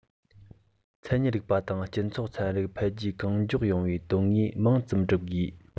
མཚན ཉིད རིག པ དང སྤྱི ཚོགས ཚན རིག འཕེལ རྒྱས གང མགྱོགས ཡོང བར དོན དངོས མང ཙམ བསྒྲུབ དགོས